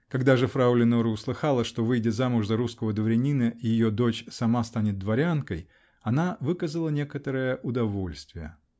) Когда же фрау Леноре услыхала, что, выйдя замуж за русского дворянина, ее дочь сама станет дворянкой, -- она выказала некоторое удовольствие.